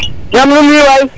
nam nu mbiyu waay